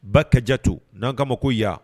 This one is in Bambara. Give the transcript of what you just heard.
Ba kaja to n'an ka ma ko yan